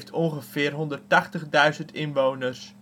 ongeveer 180.000 inwoners. Concepción